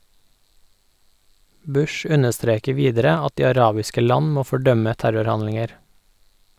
Bush understreker videre at de arabiske land må fordømme terrorhandlinger.